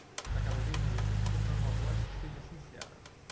está cada vez mais difícil encontrar uma voz que seja sincera